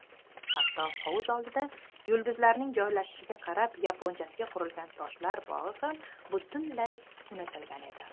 hatto hovuz oldida yulduzlarning joylashishiga qarab yaponchasiga qurilgan toshlar bog'i ham bugun butunlay unutgan edi